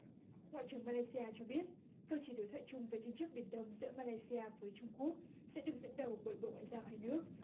ngoại trưởng ma lai si a cho biết cơ chế đối thoại chung về tranh chấp biển đông giữa ma lai si a với trung quốc sẽ được dẫn đầu bởi bộ ngoại giao hai nước